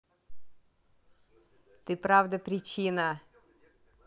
ты правда причина